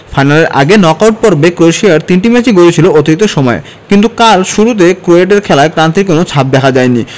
ফাইনালের আগে নকআউট পর্বে ক্রোয়েশিয়ার তিনটি ম্যাচই গড়িয়েছিল অতিরিক্ত সময়ে কিন্তু কাল শুরুতে ক্রোটদের খেলায় ক্লান্তির কোনো ছাপ দেখা যায়নি